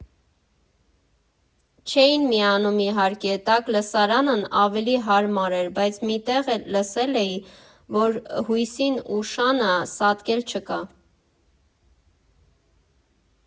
Չէին միանում իհարկե, տաք լսարանն ավելի հարմար էր, բայց մի տեղ լսել էի, որ հույսին ու շանը սատկել չկա։